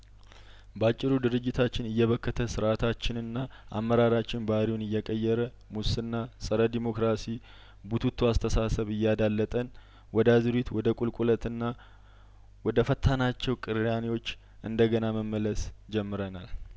ባጭሩ ድርጅታችን እየበከተ ስርአታችንና አመራራችን ባህርይውን እየቀየረ ሙስና ጸረ ዴሞክራሲ ቡትቶ አስተሳሰብ እያዳ ለጠን ወደ አዙሪት ወደ ቁልቁለትና ወደ ፈታ ናቸው ቅራኔዎች እንደገና መመለስ ጀምረናል